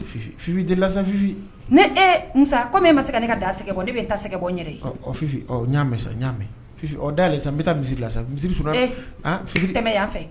Fifi Fifi i delila sa Fifi ne ee Musa comme e ma sen ka ne ka daa sɛgɛ bɔ ne bɛ n ta sɛgɛ bɔ n yɛrɛ ye ɔ ɔ Fifi ɔɔ ɲamɛ sa ɲamɛ Fifi ɔɔ da yɛlɛ sa n bɛ taa misiri la sa misiri suruyar hee han tɛmɛ yan fɛ